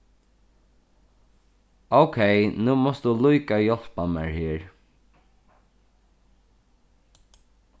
ókey nú mást tú líka hjálpa mær her